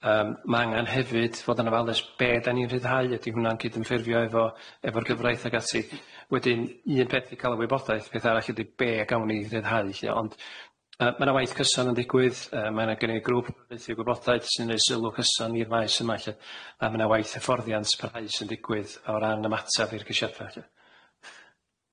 Yym ma' angan hefyd fod yn ofalus be' dan ni'n rhyddhau ydi hwnna'n cydymffurfio efo efo'r gyfraith ag ati, wedyn un peth ydi ca'l y wybodaeth peth arall ydi be' gawn ni rhyddhau lly ond yy ma' na waith cyson yn ddigwydd yy, ma' na gneud grŵp gweithiwr gwybodaeth sy'n neud sylw cyson i'r maes yma lly a ma' na waith hyfforddiant parhaus yn ddigwydd o ran ymateb i'r cysiada lly.